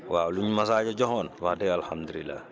waaw li ma Sadio joxoon wax dëgg yàlla alhamdulilah